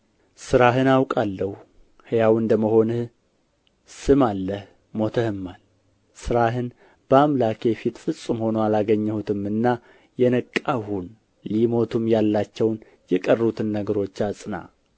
ሥራህን አውቃለሁ ሕያው እንደ መሆንህ ስም አለህ ሞተህማል ሥራህን በአምላኬ ፊት ፍጹም ሆኖ አላገኘሁትምና የነቃህ ሁን ሊሞቱም ያላቸውን የቀሩትን ነገሮች አጽና